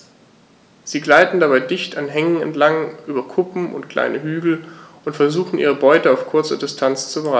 Sie gleiten dabei dicht an Hängen entlang, über Kuppen und kleine Hügel und versuchen ihre Beute auf kurze Distanz zu überraschen.